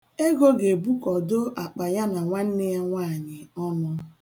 Ego ga-ebukọdo akpa ya na nwanne ya nwanyị ọnụ.